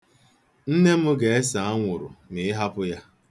Nne m ga-ese anwụrụ ma ị hapụ ya.